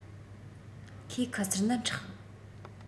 ཁོའི ཁུ ཚུར ནི མཁྲེགས